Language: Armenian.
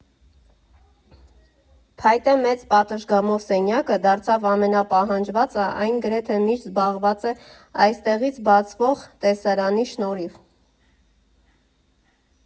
Փայտե մեծ պատշգամբով սենյակը դարձավ ամենապահանջվածը, այն գրեթե միշտ զբաղված է այստեղից բացվող տեսարանի շնորհիվ։